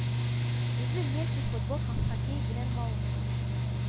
Үзе Метшин футбол һәм хоккей белән мавыга